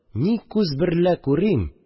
Ни күз берлә күрим